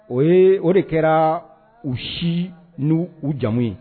O ye o de kɛra u si n' u jamu ye